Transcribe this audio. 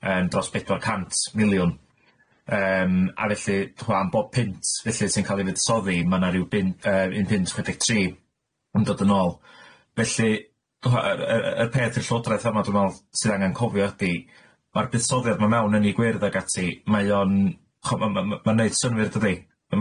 yym dros bedwar cant miliwn yym a felly t'mo' am bob punt felly sy'n ca'l i fusoddi ma' na ryw bin- yy un punt chwe deg tri yn dod yn ôl felly t'mo' yr yr yr peth i'r Llodraeth yma dwi me'wl sydd angan cofio ydi ma'r buddsoddiad ma' mewn ynni gwyrdd ag ati mae o'n ch'o' ma' ma' ma' ma' neud synnwyr dydi?